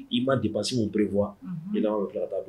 I ma depenses min prévoit i laban bɛ tila ka taa bin o la.